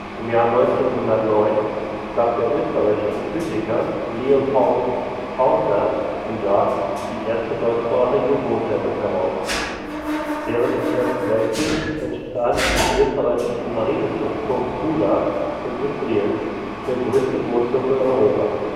Im Jahr 1909 gab der österreichische Physiker Leopold Pfaundler in Graz die erste deutschsprachige Go-Zeitung heraus. Während des Ersten Weltkriegs entstand im österreichischen Marinestützpunkt Pula, in Istrien, der größte Go-Zirkel Europas